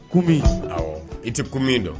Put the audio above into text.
Ku min i tɛ kun min dɔn